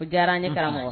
U diyara ni'